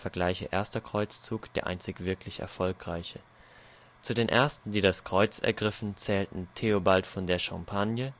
vgl. Erster Kreuzzug, der einzig wirklich erfolgreiche). Zu den ersten, die das Kreuz ergriffen, zählten Theobald von der Champagne